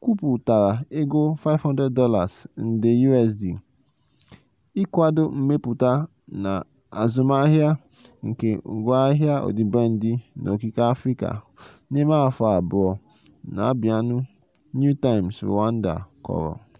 kwupụtara ego $500 nde USD "ịkwado mmepụta na azụmaahịa nke ngwaahịa ọdịbendị na okike Africa" n'ime afọ abụọ na-abịanụ, New Times Rwanda kọrọ.